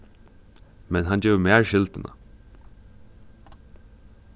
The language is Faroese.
men hann gevur mær skyldina